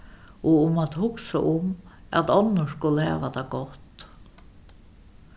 og um at hugsa um at onnur skulu hava tað gott